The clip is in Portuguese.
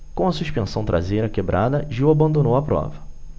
com a suspensão traseira quebrada gil abandonou a prova